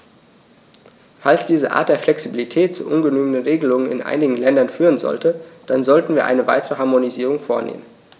Falls diese Art der Flexibilität zu ungenügenden Regelungen in einigen Ländern führen sollte, dann sollten wir eine weitere Harmonisierung vornehmen.